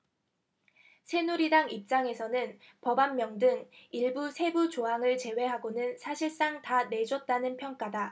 새누리당 입장에서는 법안명 등 일부 세부조항을 제외하고는 사실상 다 내줬다는 평가다